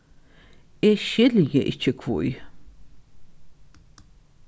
eg skilji ikki hví